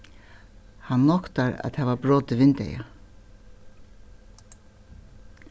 hann noktar at hava brotið vindeygað